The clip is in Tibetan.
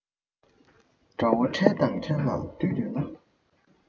དགྲ བོ འཕྲལ གང འཕྲལ ལ འདུལ འདོད ན